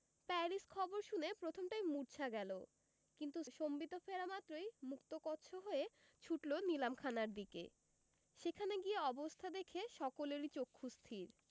Paris খবর শুনে প্রথমটায় মুর্ছা গেল কিন্তু সম্বিত ফেরা মাত্রই মুক্তকচ্ছ হয়ে ছুটল নিলাম খানার দিকে সেখানে গিয়ে অবস্থা দেখে সকলেরই চক্ষুস্থির